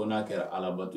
Ko n'a kɛra alabato ye